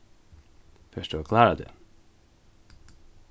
fert tú at klára teg